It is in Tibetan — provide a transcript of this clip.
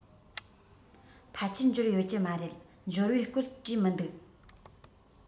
ཕལ ཆེར འབྱོར ཡོད ཀྱི མ རེད འབྱོར བའི སྐོར བྲིས མི འདུག